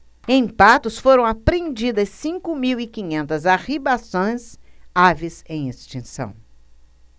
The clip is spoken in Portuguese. em patos foram apreendidas cinco mil e quinhentas arribaçãs aves em extinção